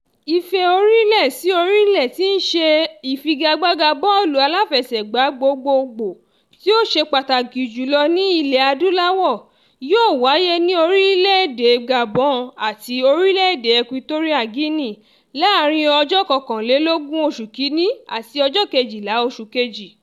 Ife Orílè-sí-orílẹ̀, tíí ṣe ìfigagbága bọọ́ọ̀lù aláfẹsẹ̀gbá gbogbogbò tí ó ṣe pàtàkì jùlọ ní Ilẹ̀ Adúláwò, yóò wáyé ní orílẹ̀ èdè Gabon àti orílẹ́ èdè Equatorial Guinea láàárín 21 Oṣù Kínní àti 12 Oṣù Kejì.